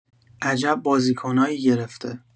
عجب بازیکنایی گرفته